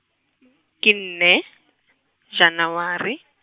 ke nne, Janaware.